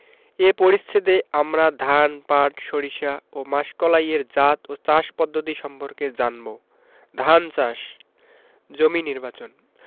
এ পরিচ্ছেদে আমরা ধান পাট সরিষা ও মাসকলাই এর জাত ও চাষ পদ্ধতি সম্পর্কে জানব ধান চাষ জমি নির্বাচনঃ